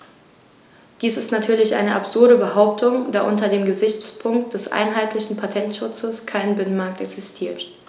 Dies ist natürlich eine absurde Behauptung, da unter dem Gesichtspunkt des einheitlichen Patentschutzes kein Binnenmarkt existiert.